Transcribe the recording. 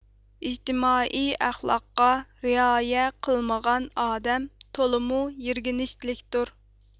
ئىجتىمائىي ئەخلاققا رىئايە قىلمىغان ئادەم تولىمۇ يىرگىنچلىكتۇر